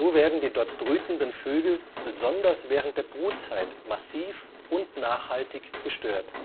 werden die dort brütenden Vögel besonders während der Brutzeit massiv und nachhaltig gestört